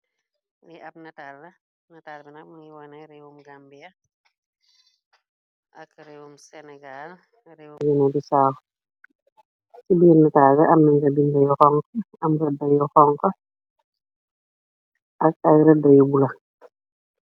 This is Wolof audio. Li ab natal bina mingi wone réewum gambie ak réewum senegal, réewum yine bisaaw. Ci biir natalga amnnga bindayu xonxo am rëddayu xonxo ak ay rëddayu bulo.